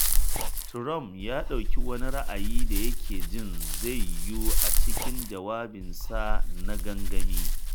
Trump ya ɗauki wani ra’ayi da yake jin zai yiwu a cikin jawabinsa na gangami.